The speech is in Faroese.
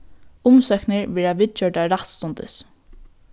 umsóknir verða viðgjørdar rættstundis